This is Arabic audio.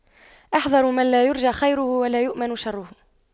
احذروا من لا يرجى خيره ولا يؤمن شره